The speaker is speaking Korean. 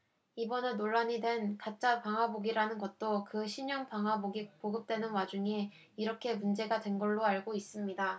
이번에 논란이 된 가짜 방화복이라는 것도 그 신형 방화복이 보급되는 와중에 이렇게 문제가 된 걸로 알고 있습니다